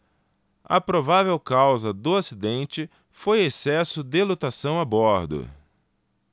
a provável causa do acidente foi excesso de lotação a bordo